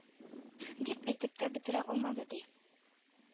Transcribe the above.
Дип әйтеп тә бетерә алмады, ди,